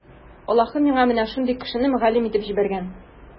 Аллаһы миңа менә шундый кешене мөгаллим итеп җибәргән.